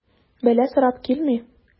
Бәла сорап килми.